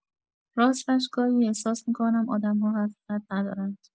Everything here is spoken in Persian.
راستش، گاهی احساس می‌کنم آدم‌ها حقیقت ندارند.